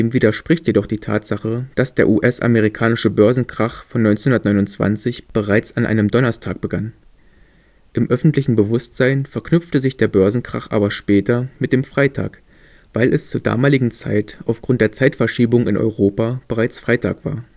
widerspricht jedoch die Tatsache, dass der US-amerikanische Börsenkrach von 1929 bereits an einem Donnerstag begann. Im öffentlichen Bewusstsein verknüpfte sich der Börsenkrach aber später mit dem Freitag, weil es zur damaligen Zeit aufgrund der Zeitverschiebung in Europa bereits Freitag war